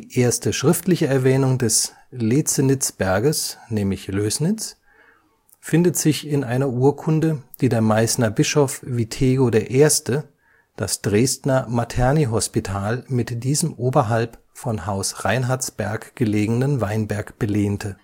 erste schriftliche Erwähnung des Lezenitzberges (Lößnitz) findet sich in einer Urkunde, in der der Meißner Bischof Withego I. das Dresdner Maternihospital mit diesem oberhalb von Haus Reinhardtsberg gelegenen Weinberg belehnte